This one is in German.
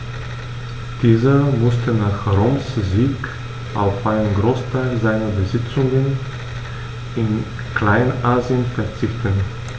Dieser musste nach Roms Sieg auf einen Großteil seiner Besitzungen in Kleinasien verzichten.